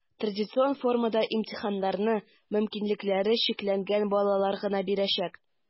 Традицион формада имтиханнарны мөмкинлекләре чикләнгән балалар гына бирәчәк.